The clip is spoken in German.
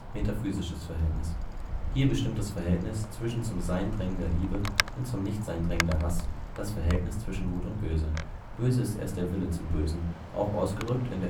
Metaphysisches Verhältnis: Hier bestimmt das Verhältnis zwischen zum Sein drängender Liebe und zum Nichtsein drängender Hass das Verhältnis zwischen Gut und Böse. Böse ist erst der Wille zum Bösen (auch ausgedrückt in